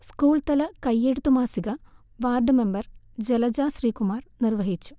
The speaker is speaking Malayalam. സ്കൂൾതല കയെഴുത്തു മാസിക വാർഡ് മെമ്പർ ജലജ ശ്രീകുമാർ നിർവഹിച്ചു